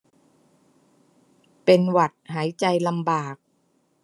เป็นหวัดหายใจลำบาก